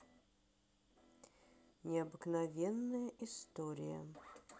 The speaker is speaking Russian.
необыкновенная история